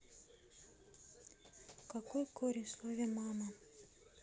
какой корень в слове мама